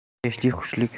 xeshlik xushlik